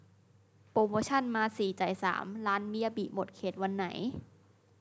โปรโมชันมาสี่จ่ายสามร้านมิยาบิหมดเขตวันไหน